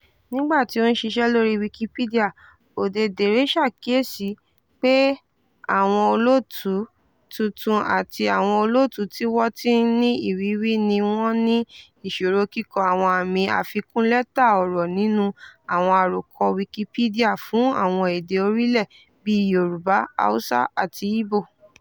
Nígbà tí ó ń ṣiṣẹ́ lórí Wikipedia, Odedere ṣàkíyèsí pé àti àwọn olóòtú tuntun àti àwọn olóòtú tí wọ́n tí ní ìrírí ni wọ́n ní ìṣòro kíkọ́ àwọn àmì àfikún lẹ́tà ọ̀rọ̀ nínú àwọn àròkọ Wikipedia fún àwọn èdè orílẹ̀ bíi Yorùbá, Hausa àti Igbo.